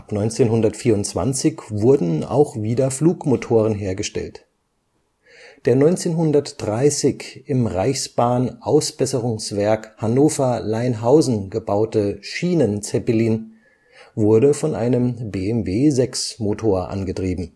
1924 wurden auch wieder Flugmotoren hergestellt. Der 1930 im Reichsbahn-Ausbesserungswerk Hannover-Leinhausen gebaute „ Schienenzeppelin “wurde von einem BMW VI-Motor angetrieben